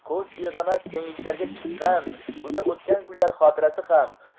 ko'z ilg'amas kengliklarga chiqqan bunda o'tgan kunlar xotirasi ham